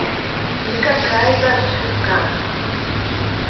не какая то ошибка